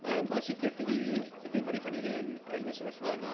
Yym a'n sicr 'di hi ddim ar ei phen ei hun yn y sefyllfa yna.